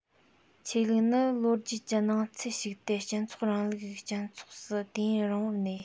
ཆོས ལུགས ནི ལོ རྒྱུས ཀྱི སྣང ཚུལ ཞིག སྟེ སྤྱི ཚོགས རིང ལུགས སྤྱི ཚོགས སུ དུས ཡུན རིང པོར གནས